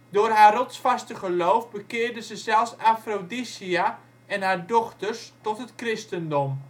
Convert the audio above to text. Door haar rotsvaste geloof bekeerde ze zelfs Aphrodisia en haar dochters tot het christendom